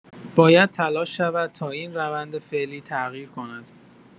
باید تلاش شود تا این روند فعلی تغییر کند